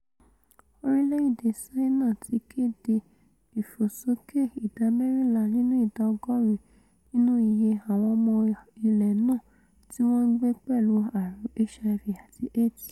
Orilẹ̵-ede Ṣáínà ti kéde ìfòsókè ìdá mẹ́rìnlá nínú ìdá ọgọ́ọ̀rún nínú iye àwọn ọmọ ilẹ̀ náà tíwọ́n ńgbé pẹ̀lú ààrùn HIV àti Aids.